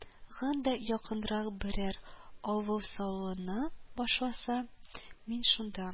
Гын да якынрак берәр авыл салына башласа, мин шунда